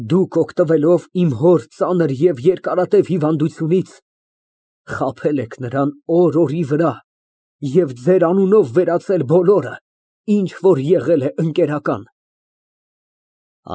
Դուք օգտվելով իմ հոր ծանր և երկարատև հիվանդությունից, խաբել եք նրան օր֊օրի վրա և ձեր անունով վերածել բոլորը, ինչ որ եղել է ընկերական։